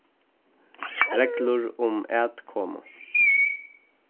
reglur um atkomu